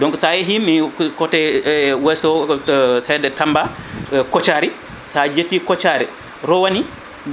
donc sa yeehi mi coté e wesso hedde Tamba e Koccari sa jetti Koccari rowani